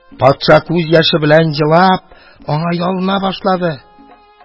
Патша, күз яше белән елап, аңа ялына башлады: